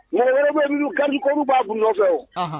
Mɔgɔ wɛrɛ bɛ'u kan ko b'a kun nɔfɛ